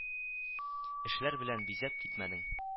Эшләр белән бизәп китмәдең